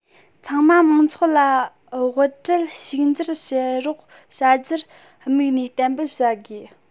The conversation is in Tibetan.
ཚང མ མང ཚོགས ལ དབུལ བྲལ ཕྱུག འགྱུར བྱེད རོགས བྱ རྒྱུར དམིགས ནས གཏན འབེབས བྱ དགོས